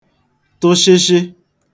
tụshịshị